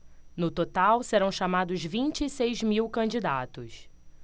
no total serão chamados vinte e seis mil candidatos